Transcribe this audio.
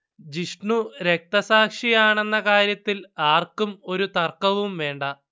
ജിഷ്ണു രക്തസാക്ഷിയാണെന്ന കാര്യത്തിൽ ആർക്കും ഒരു തർക്കവും വേണ്ട